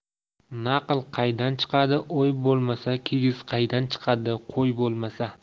naql qaydan chiqadi o'y bo'lmasa kigiz qaydan chiqadi qo'y bo'lmasa